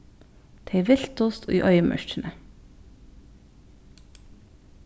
tey viltust í oyðimørkini